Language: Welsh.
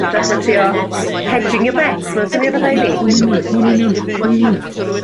ytrach na trio hedging your bets t'mo' swnio fatha i fi. O yn union, yn union, yn union.